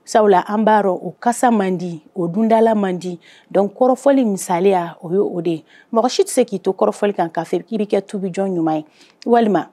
Sabula an b'a okasa man di o dundala man di dɔn kɔrɔfɔfɔli misaleya o ye o de ye mɔgɔ si tɛ se k'i to kɔrɔfɔli kan kafe k'i bɛ kɛ tubi jɔ ɲuman ye walima